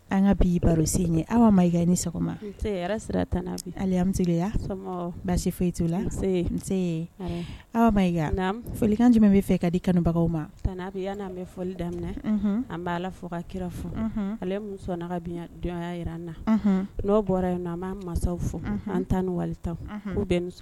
Ka baro ma sɔgɔma foyi' la aw folikan jumɛn bɛ fɛ ka di kanubagaw ma bɛ yan n'an bɛ foli daminɛ an b' ala fɔ ka kira fɔ aleya jira an na bɔra yen an b'an masaw fɔ an tan ni wali tan u bɛn